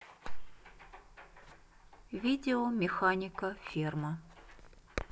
видео механика ферма